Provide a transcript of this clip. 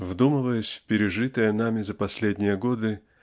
Вдумываясь в пережитое нами за последние годы